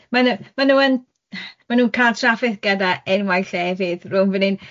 Maen nhw maen nhw yn maen nhw'n cael trafferth gyda enwau llefydd rownd fan'yn.